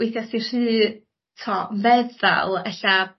weithia' ti rhy t'o' feddal ella